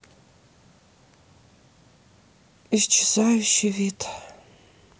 исчезающий вид